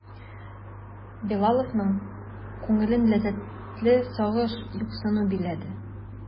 Билаловның күңелен ләззәтле сагыш, юксыну биләде.